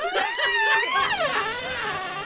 Well i ni wneud.